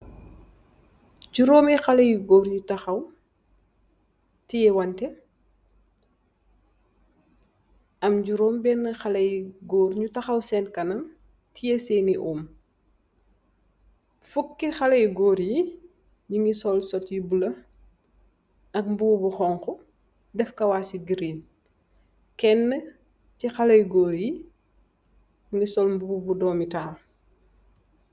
Juroomi xalé yu goor yu taxaw, tiyewante, ñu ngi am juroom beeni xalé yu goor yu.. tiyee seen i,om. Fukki xalé yu goor yi, ñu ngi sol sot yu bulo, ak mbuba xoñxa, def kawaas yu giriin. Keen si xalé yu goor yi, mu ngi sol mbubu bu am dööm I taal.